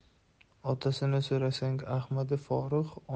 otasini so'rasang ahmadi forig'